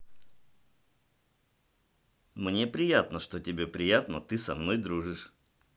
мне приятно что тебе приятно ты со мной дружишь